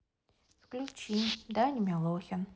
включи даня милохин